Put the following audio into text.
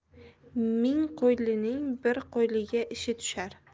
ming qo'ylining bir qo'yliga ishi tushar